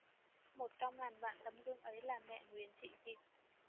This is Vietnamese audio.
một trong ngàn vạn tấm gương ấy là mẹ nguyễn thị diệm